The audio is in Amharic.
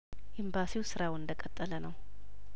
ኤምባሲው ስራውን እንደቀጠለነው